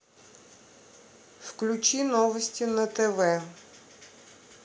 включи новости на тв